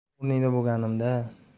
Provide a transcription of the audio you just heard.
sening o'rningda bo'lganimda